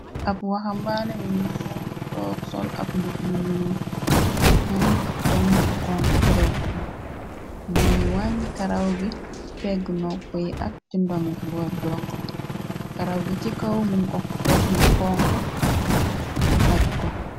Ab waxambaane mu ñuu toog sol ab muñuur mu ham ab tomb bu xonk ci dokk bi moo ngi wàññ karaw gi ci pegg nopp yi ak ci ndongi boori dokq bi karaw gi ci kaw mu ngok def mu xonk mu xaj ko.